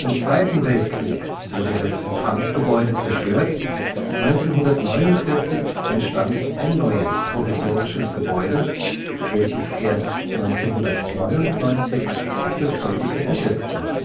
Zweiten Weltkrieg wurde das Empfangsgebäude zerstört, 1949 entstand ein neues provisorisches Gebäude, welches erst 1999 durch das heutige ersetzt wurde